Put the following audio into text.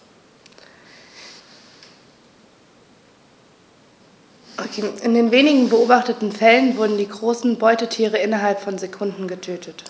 In den wenigen beobachteten Fällen wurden diese großen Beutetiere innerhalb von Sekunden getötet.